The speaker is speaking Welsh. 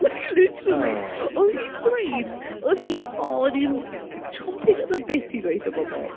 Like literally... O! ...Oedd hi'n dweud oedd hi'n o! oedd hi'n g... chomping at the bit i ddweud wrtho bobl.